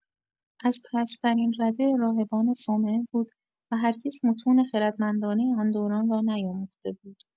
از پست‌ترین رده راهبان صومعه بود و هرگز متون خردمندانه آن دوران را نیاموخته بود.